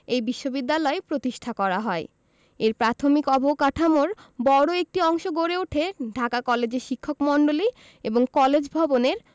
এ বিশ্ববিদ্যালয় প্রতিষ্ঠা করা হয় এর প্রাথমিক অবকাঠামোর বড় একটি অংশ গড়ে উঠে ঢাকা কলেজের শিক্ষকমন্ডলী এবং কলেজ ভবনের